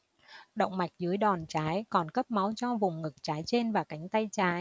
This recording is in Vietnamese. động mạch dưới đòn trái còn cấp máu cho vùng ngực trái trên và cánh tay trái